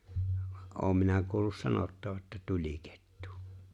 vaan olen minä kuullut sanottavan että tulikettu